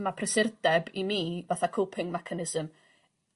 ma' prysurdeb i mi fatha coping mechanism.